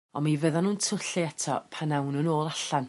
On' mi fyddan nw'n twyllu eto pan awn n'w nôl allan.